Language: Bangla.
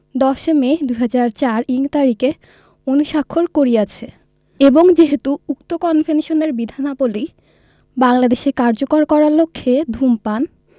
১০ মে ২০০৪ইং তারিখে অনুস্বাক্ষর করিয়অছে এবং যেহেতু উক্ত কনভেনশনের বিধানাবলী বাংলাদেশে কার্যকর করার লক্ষ্যে ধূমপান